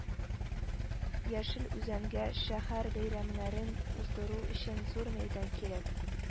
Яшел Үзәнгә шәһәр бәйрәмнәрен уздыру өчен зур мәйдан кирәк